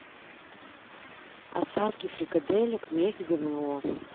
осадки фрикаделек месть гмо